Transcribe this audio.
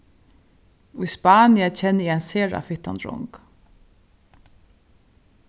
í spania kenni eg ein sera fittan drong